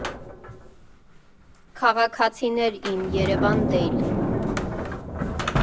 ՔԱՂԱՔԱՑԻՆԵՐ Իմ Երևան Դեյլ։